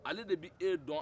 ale de b'e don